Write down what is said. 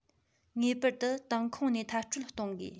ངེས པར དུ ཏང ཁོངས ནས མཐར སྐྲོད གཏོང དགོས